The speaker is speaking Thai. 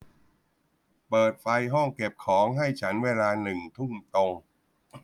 เปิดไฟห้องเก็บของให้ฉันเวลาหนึ่งทุ่มตรง